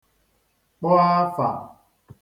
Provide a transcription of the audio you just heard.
kpọ afà